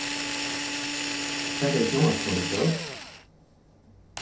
hvat er í sjónvarpinum í kvøld